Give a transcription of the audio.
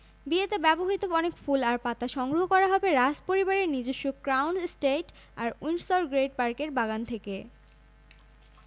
বিয়েতে ব্যবহৃত অনেক ফুল আর পাতা সংগ্রহ করা হবে রাজপরিবারের নিজস্ব ক্রাউন এস্টেট আর উইন্ডসর গ্রেট পার্কের বাগান থেকে